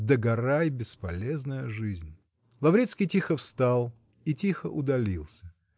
Догорай, бесполезная жизнь!" Лаврецкий тихо встал и тихо удалился